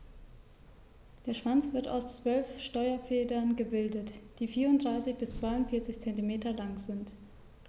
Der Schwanz wird aus 12 Steuerfedern gebildet, die 34 bis 42 cm lang sind.